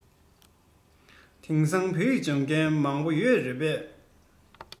དེང སང བོད ཡིག སྦྱོང མཁན མང པོ ཡོད རེད པས